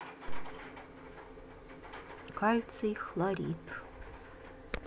кальций хлорид